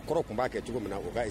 Kɔrɔ tun b'a kɛ dugu min na u ayi